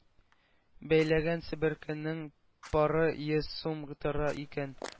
Бәйләгән себеркенең пары йөз сум тора икән.